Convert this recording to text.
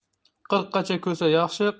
qirqqacha ko'sa yaxshi